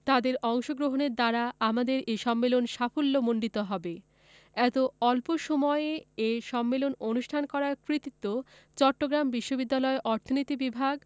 তাদের অংশগ্রহণের দ্বারা আমাদের এ সম্মেলন সাফল্যমণ্ডিত হবে এত অল্প এ সম্মেলন অনুষ্ঠান করার কৃতিত্ব চট্টগ্রাম বিশ্ববিদ্যালয়ের অর্থনীতি বিভাগ